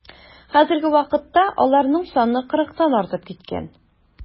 Хәзерге вакытта аларның саны кырыктан артып киткән.